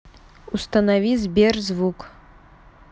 установи сбер звук